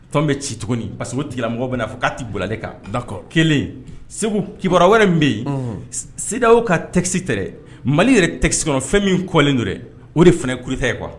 Fɛn bɛ ci tuguni a o tigilamɔgɔ bɛa fɔ k'a tɛ bolilen kan lakɔ kelen segu kiba wɛrɛ min bɛ yen sidaw ka tɛgɛgsi tɛ mali yɛrɛ tɛsi kɔnɔ fɛn min kɔlen don dɛ o de fana kurute ye kuwa